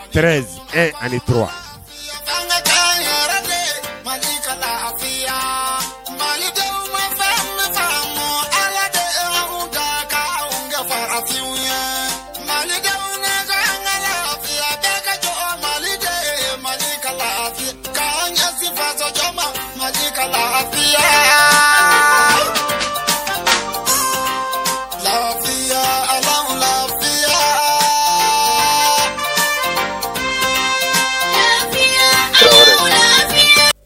Zze alito kase 2kalayan makɛ fɛ aletigɛ kun ka ka kun ka patiyan makɛ ja ka layan ka jalijɛ makala ka ɲɛsefa jama makalayanki yolɔyango yo